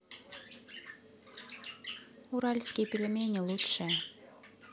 уральские пельмени лучшее